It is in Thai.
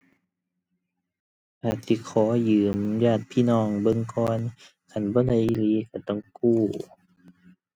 อาจสิขอยืมญาติพี่น้องเบิ่งก่อน คันบ่ได้อีหลีก็ต้องกู้